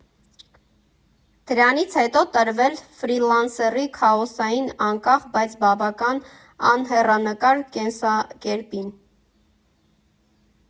Դրանից հետո տրվել ֆրիլանսերի քաոսային, անկախ, բայց բավական անհեռանկար կենսակերպին։